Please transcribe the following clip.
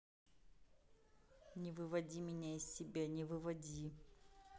не выводи меня из себя не выводи